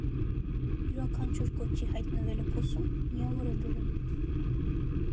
Յուրաքանչյուր կոճի հայտնվելը փոսում միավոր է բերում։